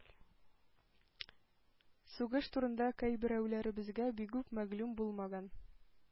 Сугыш турында кайберәүләребезгә бигүк мәгълүм булмаган